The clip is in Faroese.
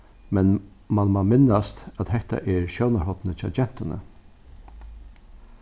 men mann má minnast at hetta er sjónarhornið hjá gentuni